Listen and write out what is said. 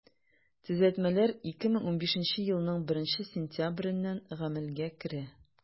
Төзәтмәләр 2015 елның 1 сентябреннән гамәлгә керә.